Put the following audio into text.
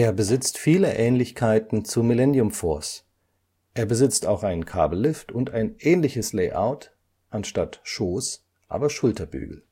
besitzt viele Ähnlichkeiten zu Millennium Force: Er besitzt auch einen Kabellift und ein ähnliches Layout, anstatt Schoß - aber Schulterbügel